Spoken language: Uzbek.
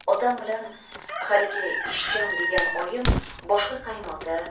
otam bilan haligi ishchan degan oyim boshqa qaynota